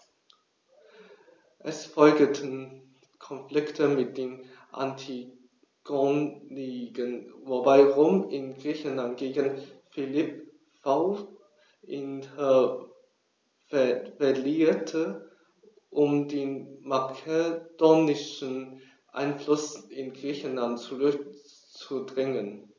Es folgten Konflikte mit den Antigoniden, wobei Rom in Griechenland gegen Philipp V. intervenierte, um den makedonischen Einfluss in Griechenland zurückzudrängen.